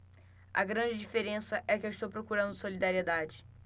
a grande diferença é que eu estou procurando solidariedade